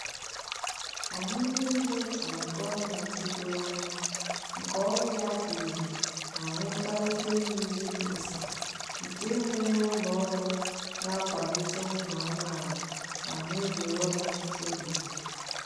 Anyị niile chọrọ gọọmenti doro anya, nke ọrụ ya dị irè ma nwekwa ike inye ezigbo ụ́sà - nke nwere ụlọ ọrụ ga-akwalite ụmụ amaala ma mezuoro ha ọchịchọ obi ha.